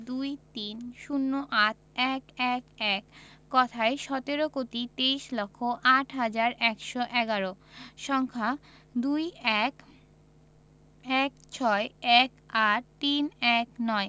২৩ ০৮ ১১১ কথায়ঃ সতেরো কোটি তেইশ লক্ষ আট হাজার একশো এগারো সংখ্যাঃ ২১ ১৬ ১৮ ৩১৯